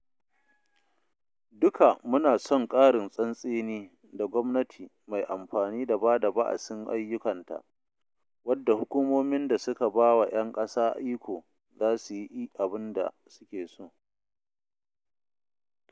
Duka muna son ƙarin tsantseni da gwamnati mai amfani da ba da ba'asin ayyukanta, wadda hukumomin da suka ba wa 'yan ƙasa iko za su yi abin da suke so.